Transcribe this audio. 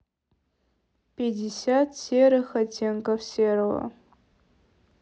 пятьдесят серых оттенков серого